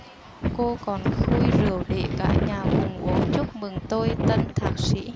cô còn khui rượu để cả nhà cùng uống chúc mừng tôi tân thạc sĩ